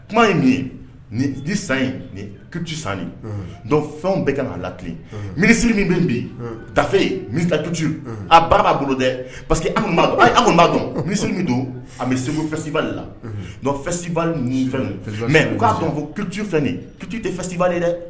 Kuma ye nin nin di san kitu sanni dɔn fɛnw bɛ ka a lati minisiriri min bɛ bɛ tafe yen misita tutu a baara b'a bolo dɛ pa parce que aw bɛ'a dɔn aw b'a dɔn misisiriri min don a bɛ segu fɛsi kulubali lasiba ni fɛn mɛ u'a fɔ kitu fɛn ye ptu tɛsiba ye dɛ